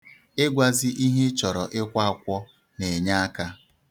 Ịgwazi ihe ị chọrọ ịkwọ akwọ na-enye aka.